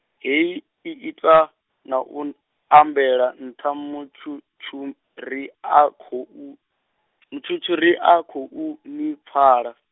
hei i ita, nau, ambela nṱha Mutshutshu ri a khou, Mutshutshu ri a khou ni pfala.